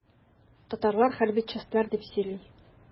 Татарлар хәрби чәстләр дип сөйли.